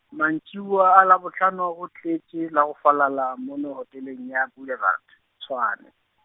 mantšiboa a Labohlano go tletše la go falala mono hoteleng ya Boulevard, Tshwane.